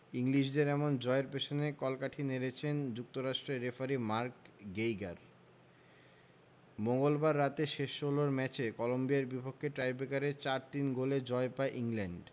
ইংলিশদের এমন জয়ের পেছনে কলকাঠি নেড়েছেন যুক্তরাষ্ট্রের রেফারি মার্ক গেইগার মঙ্গলবার রাতে শেষ ষোলোর ম্যাচে কলম্বিয়ার বিপক্ষে টাইব্রেকারে ৪ ৩ গোলে জয় পায় ইংল্যান্ড